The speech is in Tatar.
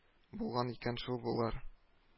Булган икән шул болар: